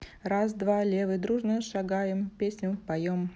раз два левой дружно шагаем песню поем